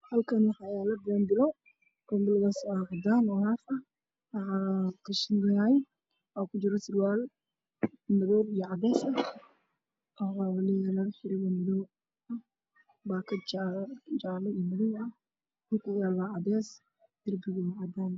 Halkaan waxaa yaalo boonbalo haaf ah oo cadaan ah waxaa kujiro surwaal madow ah waxuu leeyahay labo xarig cadaan iyo madow ah, baakad jaale iyo madow ah, dhulka uu yaalo waa cadeys darbigana waa cadaan.